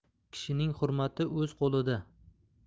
kishining hurmati o'z qo'lida